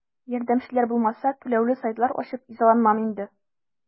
Ярдәмчеләр булмаса, түләүле сайтлар ачып изаланмам инде.